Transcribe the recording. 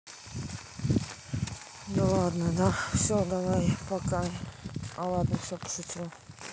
да ладно все давай пока а ладно все пошутил